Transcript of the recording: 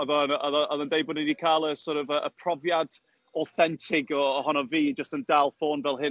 Oedd o yn oedd o oedd o'n deud bo' ni di cal y, sort of y profiad awthentig o- ohono fi jyst yn dal ffôn fel hyn.